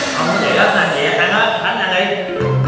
hông nó vậy á ăn nó ăn vậy á ăn á khánh ăn đi